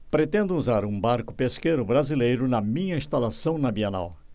pretendo usar um barco pesqueiro brasileiro na minha instalação na bienal